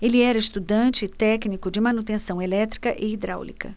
ele era estudante e técnico de manutenção elétrica e hidráulica